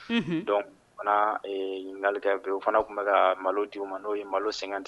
Dɔnliere fana tun bɛ ka malo d ma n'o malo sen di